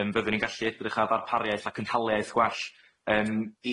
yym fyddwn ni'n gallu edrych ar ddarpariaeth a cynhaliaeth gwell yym